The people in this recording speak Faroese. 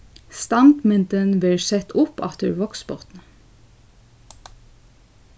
standmyndin verður sett upp aftur í vágsbotni